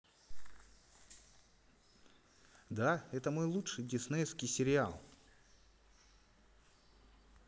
да это мой лучший диснеевский сериал